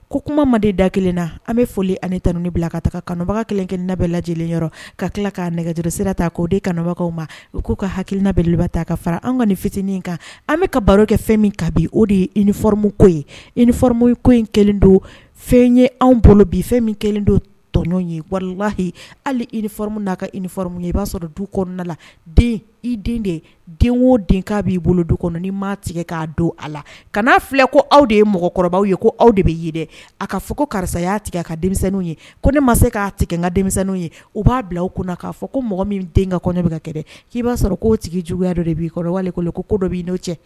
Ko kuma manden da kelen na an bɛ foli ani taunini bila ka taga kanubaga kelen kɛ labɛn bɛ lajɛ lajɛlen yɔrɔ ka tila k'a nɛgɛj sira ta k'o de kanubagawkaw ma u k'u ka hakiliina bɛeleli ta a ka fara an ka fitinin kan an bɛ ka baro kɛ fɛn min ka bi o de ye i nifmu ko ye nimo ko in kelen don fɛn ye anw bolo bi fɛn min kɛlen don tɔɲɔgɔn ye walimahi hali i ni minnu n'a ka i ni ye i b'a sɔrɔ duk kɔnɔna la den i de ye den o den k' b'i bolo du kɔnɔ ni ma tigɛ k'a don a la ka kana filɛ ko aw de ye mɔgɔkɔrɔbaw ye ko aw de bɛ ye dɛ a ka fɔ ko karisa yya tigɛ a ka denmisɛnninw ye ko ne ma se k'a tigɛ n ka denmisɛnninw ye u b'a bila u kunna k'a fɔ ko mɔgɔ min den ka kɔɲɔ bɛ ka kɛ dɛ k'i b'a sɔrɔ ko tigi juguya dɔ de b'i wale ko ko dɔ b'i'o cɛ